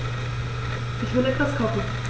Ich will etwas kochen.